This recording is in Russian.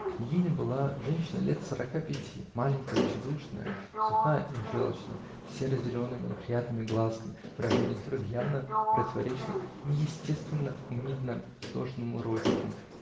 Княгиня была женщина лет сорока пяти, маленькая, тщедушная, сухая и желчная, с серо-зелеными неприятными глазками, выражение которых явно противоречило неестественно-умильно сложенному ротику.